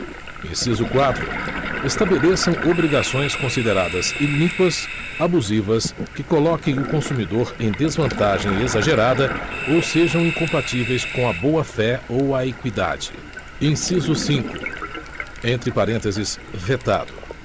inciso quatro estabeleçam obrigações consideradas iníquas abusivas que coloquem o consumidor em desvantagem exagerada ou sejam incompatíveis com a boafé ou a equidade inciso cinco entre parênteses vetado